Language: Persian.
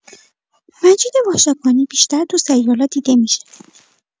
مجید واشقانی بیشتر تو سریالا دیده می‌شه.